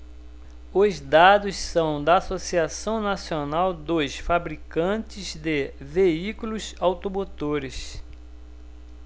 os dados são da anfavea associação nacional dos fabricantes de veículos automotores